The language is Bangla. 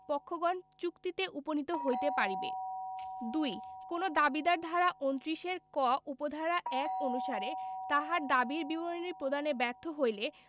পক্ষগণ চুক্তিতে উপণীত হইতে পারিবে ২ কোন দাবীদার ধারা ২৯ এর ক উপ ধারা ১ অনুসারে তাহার দাবীর বিবরণী প্রদানে ব্যর্থ হইলে